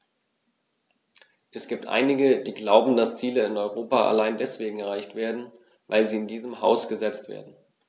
Es gibt einige, die glauben, dass Ziele in Europa allein deswegen erreicht werden, weil sie in diesem Haus gesetzt werden.